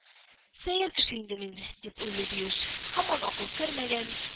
“сәер кеше инде мин, – дип уйлый биюш. – һаман акыл кермәгән